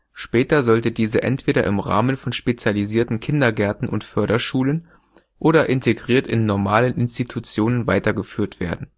Später sollte diese entweder im Rahmen von spezialisierten Kindergärten und Förderschulen, oder integriert in „ normalen “Institutionen, weitergeführt werden